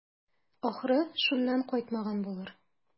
Ахры, шуннан кайтмаган булыр.